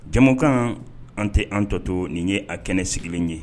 Jamukaan an tɛ an tɔ to nin ye a kɛnɛ sigilen ye